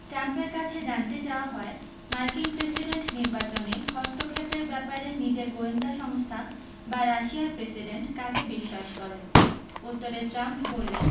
ট্রাম্পের কাছে জানতে চাওয়া হয় মার্কিন প্রেসিডেন্ট নির্বাচনে হস্তক্ষেপের ব্যাপারে নিজের গোয়েন্দা সংস্থা বা রাশিয়ার প্রেসিডেন্ট কাকে বিশ্বাস করেন উত্তরে ট্রাম্প বললেন